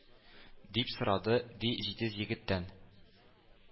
Дип сорады, ди, җитез егеттән.